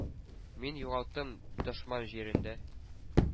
Мин югалттым дошман җирендә